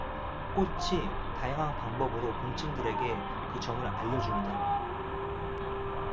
꽃이 다양한 방법으로 곤충들에게 그 점을 알려 줍니다